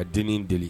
Ka den deli